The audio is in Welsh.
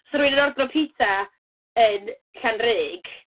'Sa rywun yn ordro pitsa yn Llanrug...